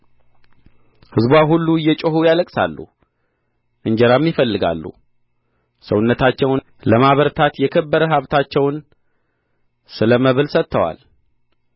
ሕዝብዋ ሁሉ እየጮኹ ያለቅሳሉ እንጀራም ይፈልጋሉ ሰውነታቸውን ለማበርታት የከበረ ሀብታቸውን ስለ መብል ሰጥተዋል